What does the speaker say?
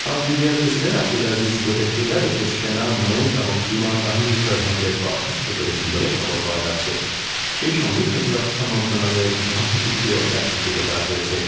আলজেরিয়ার president Abdul Aziz Bouteflika দেশেরসেনা নৌ বিমান বাহিনীর প্রধানদের বরখাস্ত করেছেন বলে খবর পাওয়া যাচ্ছে এই সঙ্গে প্রতিরক্ষা মন্ত্রণালয়ের মহাসচিব কেউ চাকরীচ্যুত করা হয়েছে